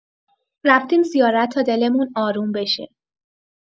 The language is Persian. رفتیم زیارت تا دلمون آروم بشه.